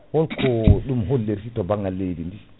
holko ɗum holliri to banggal leydi ndi